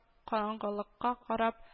Караңгылыкка карап